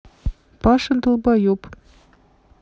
паша долбоеб